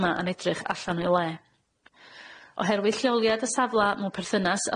yma yn edrych allan o'i le. Oherwydd lleoliad y safla mewn perthynas